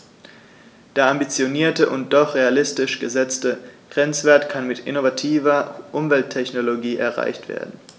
Der ambitionierte und doch realistisch gesetzte Grenzwert kann mit innovativer Umwelttechnologie erreicht werden.